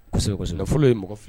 Parce que fɔlɔ ye mɔgɔ fili